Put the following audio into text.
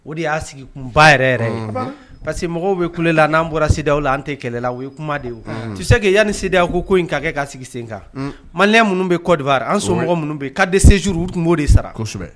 O de y'a sigi ba yɛrɛ yɛrɛ ye parce que mɔgɔw bɛ kulela n'an bɔra CEDEAO la an tɛ kɛlɛ la o ye kuma de ye tu sais que yani CEDEAO ko in ka kɛ ka sigi sen kan malien minnu bɛ côte d'ivoire an somɔgɔ minnu bɛ ye carte de séjour o tun b'o de sara.